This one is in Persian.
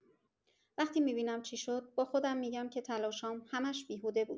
وقتی می‌بینم چی شد، با خودم می‌گم که تلاش‌هام همه‌ش بیهوده بود.